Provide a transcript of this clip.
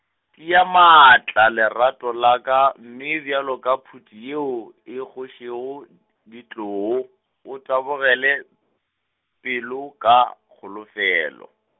tia maatla lerato la ka, mme bjalo ka phuti yeo e khošego, ditloo o tabogele, pelo ka, kholofelo.